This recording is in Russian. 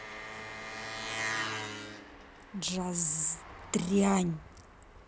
jazz дрянь